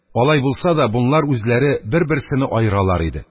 Алай булса да, бунлар үзләре бер-берсене аералар иде.